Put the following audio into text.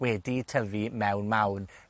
wedi tyfu mewn mawn.